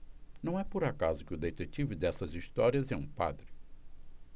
não é por acaso que o detetive dessas histórias é um padre